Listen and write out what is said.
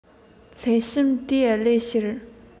སླད ཕྱིན དེ བསླབ བྱར